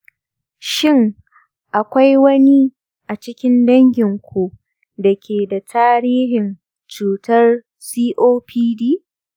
shin akwai wani a cikin danginku da ke da tarihin cutar copd?